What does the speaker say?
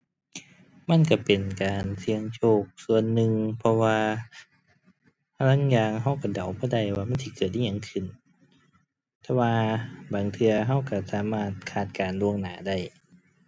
มันก็เป็นการเสี่ยงโชคส่วนหนึ่ง เพราะว่าลางอย่างก็ก็เดาบ่ได้ว่ามันสิเกิดอิหยังขึ้น แต่ว่าบางเทื่อก็ก็สามารถคาดการณ์ล่วงหน้าได้